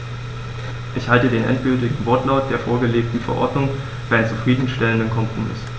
Ich halte den endgültigen Wortlaut der vorgelegten Verordnung für einen zufrieden stellenden Kompromiss.